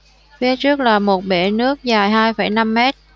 phía trước là một bể nước dài hai phẩy năm mét